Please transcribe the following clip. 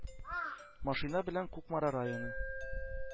Машина белән Кукмара районы,